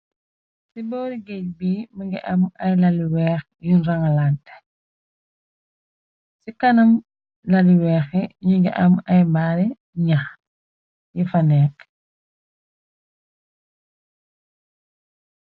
Ci boori géej bi, mëngi am ay lal yu weex, yu rangalante. Ci kanam lal yu weex yi, ñi ngi am ay mbaari nyakh yu fa neek.